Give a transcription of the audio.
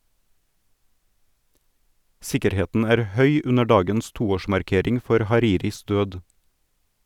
Sikkerheten er høy under dagens toårsmarkering for Hariris død.